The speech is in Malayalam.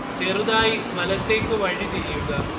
ചെറുതായി വലതേക്ക് വഴിതിരിയുക